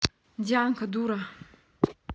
дианка дура